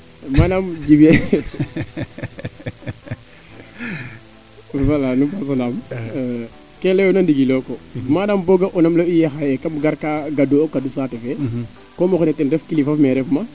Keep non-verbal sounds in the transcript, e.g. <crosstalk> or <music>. manam Djiby <laughs> voila nu mbasa naam ke leyoona ndigilo ko manam bo ga'ona im ley'uye xaye kam gar kaa gadu o kadu saate fee comme o xene ten refu kilifa me ref ma